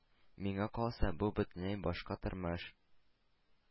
Миңа калса, бу – бөтенләй башка тормыш.